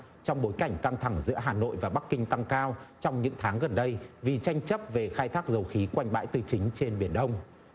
trong bối cảnh căng thẳng giữa hà nội và bắc kinh tăng cao trong những tháng gần đây vì tranh chấp về khai thác dầu khí quanh bãi tư chính trên biển đông